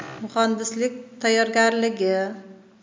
muhandislik tayyorgarligi